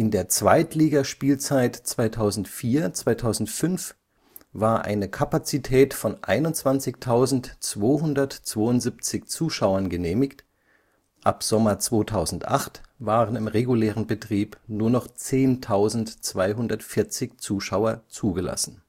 der Zweitligaspielzeit 2004/05 war eine Kapazität von 21.272 Zuschauern genehmigt, ab Sommer 2008 waren im regulären Betrieb nur noch 10.240 Zuschauer zugelassen